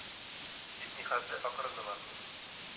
Дип нихәтле акырындылар.